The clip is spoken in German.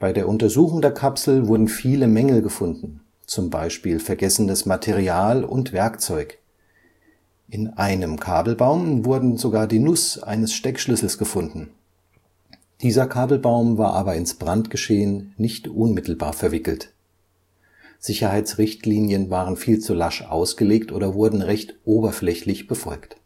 der Untersuchung der Kapsel wurden viele Mängel gefunden, z. B. vergessenes Material und Werkzeug. In einem Kabelbaum wurde sogar die Nuss eines Steckschlüssels gefunden. Dieser Kabelbaum war aber ins Brandgeschehen nicht unmittelbar verwickelt. Sicherheitsrichtlinien waren viel zu lasch ausgelegt oder wurden recht oberflächlich befolgt